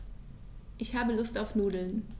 Ich habe Lust auf Nudeln.